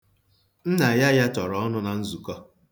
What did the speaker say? Nna ya yatọrọ ọnụ na nzukọ